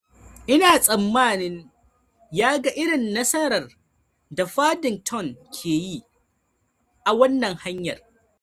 Ina tsammanin ya ga irin nasarar da Paddington ke yi, a wannan hanyar.